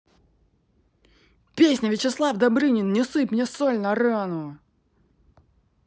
песня вячеслав добрынин не сыпь мне соль на рану